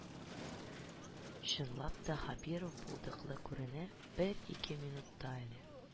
Чынлап та Хәбиров булдыклы күренә, бер-ике минутта әллә